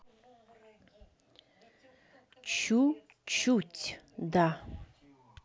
чучуть да